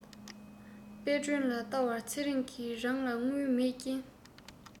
དཔལ སྒྲོན ལ བལྟ བར ཚེ རིང གི རང ལ དངུལ མེད རྐྱེན